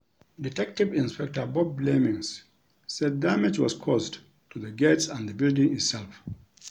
Det Insp Bob Blemmings said damage was caused to the gates and the building itself.